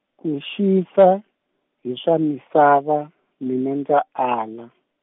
ku xisa hi swa misava mina ndza ala.